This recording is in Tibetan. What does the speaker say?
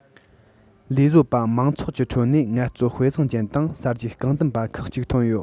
ལས བཟོ པ མང ཚོགས ཀྱི ཁྲོད ནས ངལ རྩོལ དཔེ བཟང ཅན དང གསར བརྗེའི རྐང འཛིན པ ཁག གཅིག ཐོན ཡོད